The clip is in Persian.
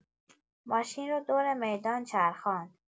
ماشین رو دور میدان چرخاند